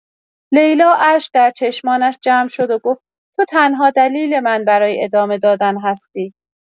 لیلا اشک در چشمانش جمع شد و گفت: «تو تنها دلیل من برای ادامه دادن هستی.»